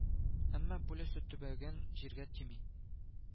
Әмма пулясы төбәгән җиргә тими